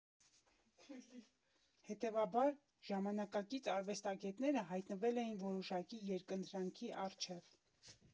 Հետևաբար, ժամանակակից արվեստագետները հայտնվել էին որոշակի երկընտրանքի առջև.